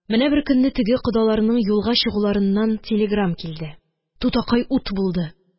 Менә беркөнне теге кодаларның юлга чыгуларыннан телеграм килде. Тутакай ут булды.